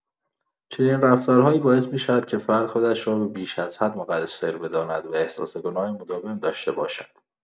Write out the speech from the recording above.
چنین رفتارهایی باعث می‌شود که فرد خودش را بیش از حد مقصر بداند و احساس گناه مداوم داشته باشد.